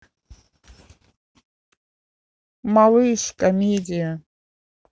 малыш комедия